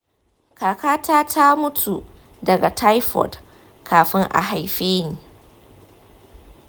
kakata ta mutu daga taifoid kafin a haife ni.